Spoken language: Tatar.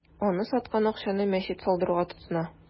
Аны саткан акчаны мәчет салдыруга тотына.